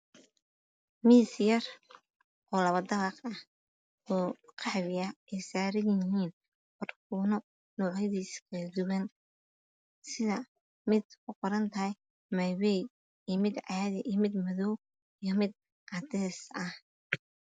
Waa miis yar oo labo dabaq ah oo qaxwi ah waxaa saaran baraafuuno kala duwan sida mid kuqoran tahay maybay iyo mid caadi ah. Mid madow iyo mid cadeys ah.